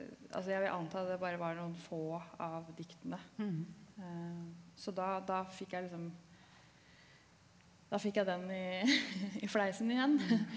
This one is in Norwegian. altså jeg vil anta det bare var noen få av diktene så da da fikk jeg liksom da fikk jeg den i i fleisen igjen .